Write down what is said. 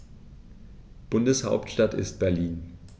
Bundeshauptstadt ist Berlin.